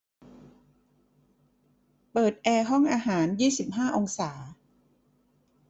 เปิดแอร์ห้องอาหารยี่สิบห้าองศา